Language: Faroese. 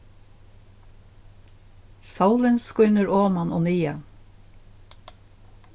sólin skínur oman og niðan